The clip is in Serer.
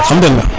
machaala